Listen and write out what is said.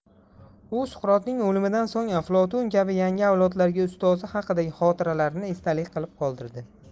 u suqrotning o'limidan so'ng aflotun kabi yangi avlodlarga ustozi haqidagi xotiralarini esdalik qilib qoldirdi